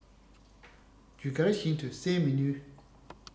རྒྱུ སྐར བཞིན དུ གསལ མི ནུས